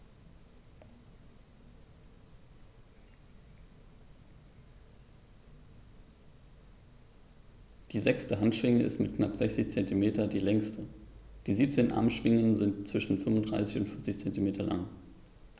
Die sechste Handschwinge ist mit knapp 60 cm die längste. Die 17 Armschwingen sind zwischen 35 und 40 cm lang.